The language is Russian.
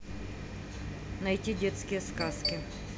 найти детские сказки